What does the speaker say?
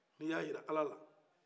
ni i y'a jira ala la